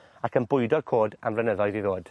ac yn bwydo'r côd am flynyddoedd i ddod.